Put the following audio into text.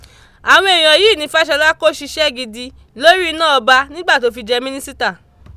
Àwọ̀n èèyàn yìí ni Fáṣọlá kó ṣiṣẹ́ gidi lórí iná ọba nígbà tó fi jẹ mínísítà.